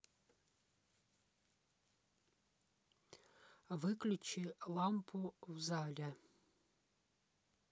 выключи лампу в зале